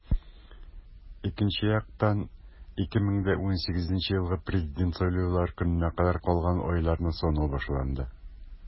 Икенче яктан - 2018 елгы Президент сайлаулары көненә кадәр калган айларны санау башланды.